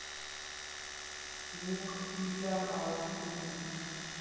Մունք բիդյար արած ինինք։